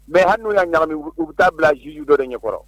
Mɛ hali n'u y ye ɲami u bɛ taa bila zju dɔ de ɲɛ kɔrɔ